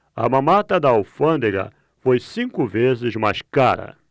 a mamata da alfândega foi cinco vezes mais cara